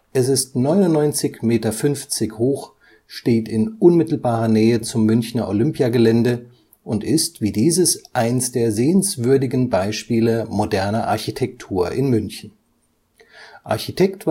Es ist 99,5 m hoch, steht in unmittelbarer Nähe zum Münchner Olympiagelände und ist wie dieses eines der sehenswürdigen Beispiele moderner Architektur in München. Architekt